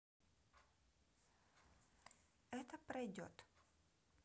это пройдет